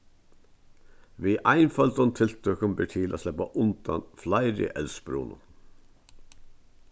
við einføldum tiltøkum ber til at sleppa undan fleiri eldsbrunum